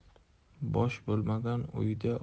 bosh bo'lmagan uyda